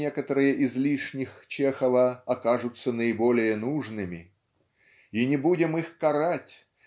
некоторые из лишних Чехова окажутся наиболее нужными. И не будем их карать